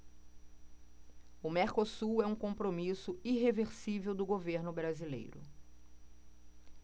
o mercosul é um compromisso irreversível do governo brasileiro